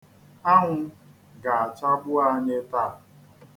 Anwụ ga-achagbu anyị taa.